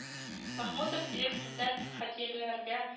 Мәхмүтов ирексездән хатирәләргә